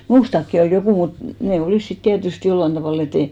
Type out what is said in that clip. minustakin oli joku mutta ne olivat sitten tietysti jollakin tavalla että ei